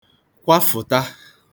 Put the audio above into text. kwafụ̀ta